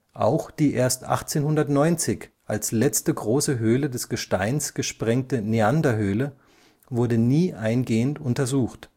Auch die erst 1890 als letzte große Höhle des Gesteins gesprengte Neanderhöhle wurde nie eingehend untersucht